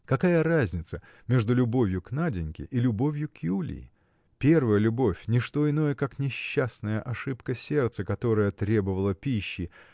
Какая разница между любовью к Наденьке и любовью к Юлии! Первая любовь – не что иное как несчастная ошибка сердца которое требовало пищи